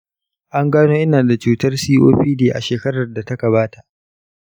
an gano ina da cutar copd a shekarar da ta gabata.